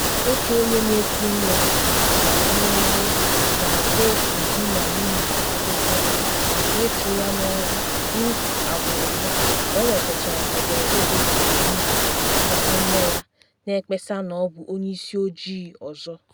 Otu onye na eku nwa na NY na agba otu di na nwunye akwụkwọ maka ịchụ ya n’ọrụ n’ihi agbụrụ ya ka ọ nwetachara ederede jefiere ụzọ n’aka nne ya na ekpesa na ọ bụ “onye isi ojii ọzọ.”